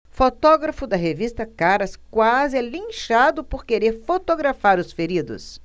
fotógrafo da revista caras quase é linchado por querer fotografar os feridos